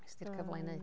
Ges ti'r cyfle i wneud?